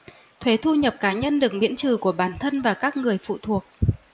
thuế thu nhập cá nhân được miễn trừ của bản thân và các người phụ thuộc